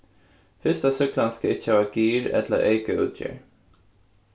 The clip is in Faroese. fyrsta súkklan skal ikki hava gir ella eykaútgerð